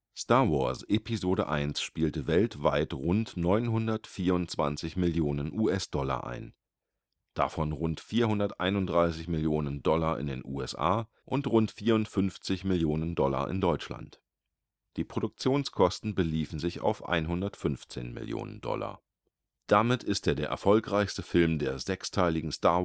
Star Wars: Episode I spielte weltweit rund 924 Millionen US-Dollar ein, davon rund 431 Millionen Dollar in den USA und rund 54 Millionen Dollar in Deutschland. Die Produktionskosten beliefen sich auf 115 Millionen Dollar. Damit ist er der erfolgreichste Film der sechsteiligen Star-Wars-Saga